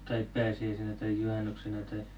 tai pääsiäisenä tai juhannuksena tai